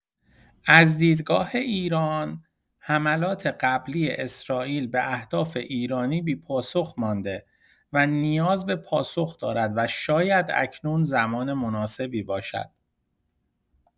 از دیدگاه ایران، حملات قبلی اسرائیل به اهداف ایرانی بی‌پاسخ مانده و نیاز به پاسخ دارد و شاید اکنون زمان مناسبی باشد.